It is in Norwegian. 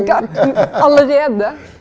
got allereie.